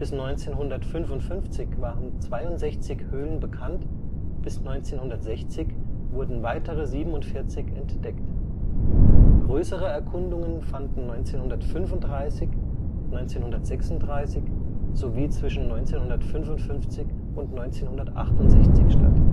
1955 waren 62 Höhlen bekannt, bis 1960 wurden weitere 47 entdeckt. Größere Erkundungen fanden 1935, 1936 sowie zwischen 1955 und 1968 statt